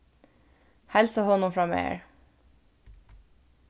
heilsa honum frá mær